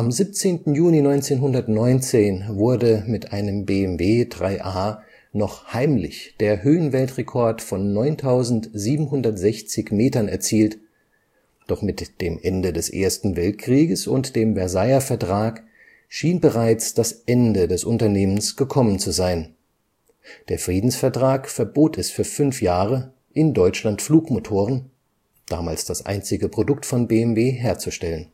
17. Juni 1919 wurde mit einem BMW IIIa noch heimlich der Höhenweltrekord von 9.760 Metern erzielt, doch mit dem Ende des Ersten Weltkrieges und dem Versailler Vertrag schien bereits das Ende des Unternehmens gekommen zu sein: der Friedensvertrag verbot es für fünf Jahre, in Deutschland Flugmotoren – damals das einzige Produkt von BMW – herzustellen